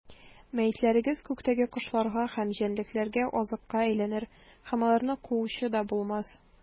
Мәетләрегез күктәге кошларга һәм җәнлекләргә азыкка әйләнер, һәм аларны куучы да булмас.